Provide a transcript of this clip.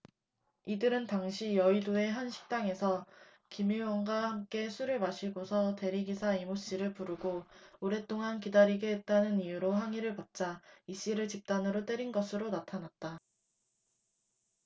이들은 당시 여의도의 한 식당에서 김 의원과 함께 술을 마시고서 대리기사 이모씨를 부르고 오랫동안 기다리게 했다는 이유로 항의를 받자 이씨를 집단으로 때린 것으로 나타났다